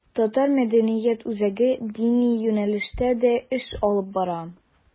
Татар мәдәният үзәге дини юнәлештә дә эш алып бара.